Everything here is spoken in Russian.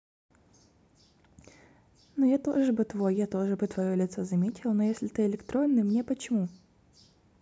ну я тоже бы твой я тоже бы твое лицо заметила но если ты электронный мне почему